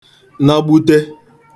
nagbute